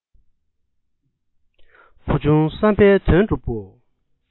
བུ ཆུང བསམ པའི དོན གྲུབ པོ